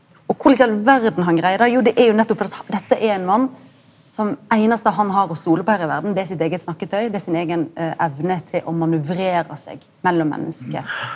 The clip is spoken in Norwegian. og korleis i all verda han greier det jo det er jo nettopp fordi at dette er ein mann som einaste han har å stole på her i verda det er sitt eige snakketøy, det sin eigen evne til å manøvrera seg mellom menneske.